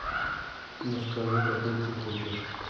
ну скажи какой ты хочешь